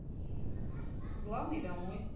главный домой